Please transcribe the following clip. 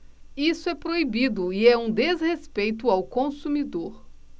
isso é proibido e é um desrespeito ao consumidor